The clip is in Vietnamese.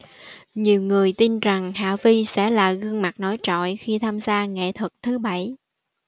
nhiều người tin rằng hạ vi sẽ là gương mặt nổi trội khi tham gia nghệ thuật thứ bảy